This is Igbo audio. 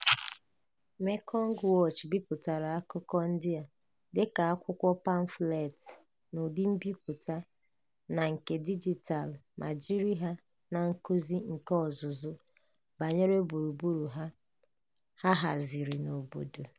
Mekong Watch bipụtara Akụkọ ndịa dịka akwụkwọ pamfleetị n'ụdị mbipụta na nke dijitalụ, ma jiri ha n'nkuzi nke ọzụzụ banyere gburugburu ha haziri n'obodo.